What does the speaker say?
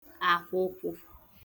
akwụkwụ